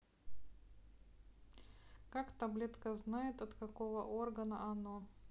как таблетка знает от какого органа оно